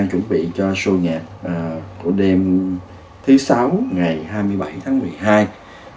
đang chuẩn bị cho sô nhạc của đêm thứ sáu ngày hai mươi bảy tháng mười hai